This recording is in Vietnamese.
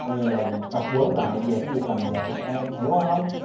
coi như là tập huấn lại dề cái việc làm vợ cho em hiểu hông